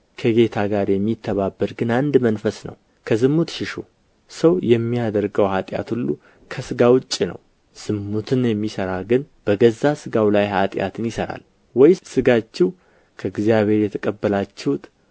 ከጌታ ጋር የሚተባበር ግን አንድ መንፈስ ነው ከዝሙት ሽሹ ሰው የሚያደርገው ኃጢአት ሁሉ ከሥጋ ውጭ ነው ዝሙትን የሚሠራ ግን በገዛ ሥጋው ላይ ኃጢአትን ይሠራል ወይስ ሥጋችሁ ከእግዚአብሔር የተቀበላችሁት